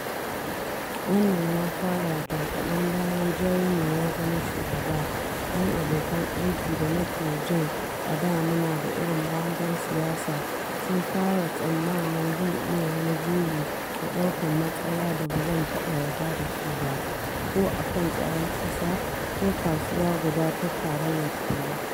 Wannan ya fara jim kaɗan bayan Jeremy ya zama shugaba, don abokan aiki da nake jin a da muna da irin mahangar siyasa sun fara tsammani zan yi wani juyi da daukan matsaya da ba zan taɓa yarda da su ba - ko a kan tsaron ƙasa ko kasuwa guda ta Tarayyar Turai.